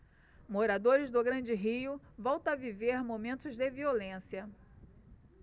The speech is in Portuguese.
moradores do grande rio voltam a viver momentos de violência